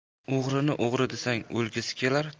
o'g'rini o'g'ri desang o'lgisi kelar